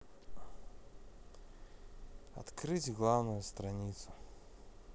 открыть главную страницу